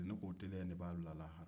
ne k'o teliya in de b'a bila lahara